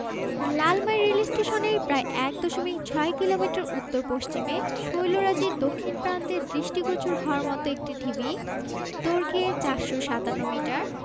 লালমাই রেলস্টেশনের প্রায় ১ দশমিক ৬ কিলোমিটার উত্তর পশ্চিমে শৈলরাজির দক্ষিণ প্রান্তে দৃষ্টিগোচর হওয়ার মতো একটি ঢিবি দৈর্ঘ্যে ৪৫৭ মিটার